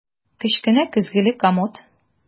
Кечкенә көзгеле комод.